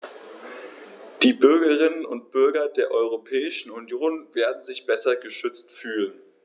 Die Bürgerinnen und Bürger der Europäischen Union werden sich besser geschützt fühlen.